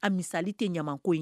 A misali tɛ ɲama ko ye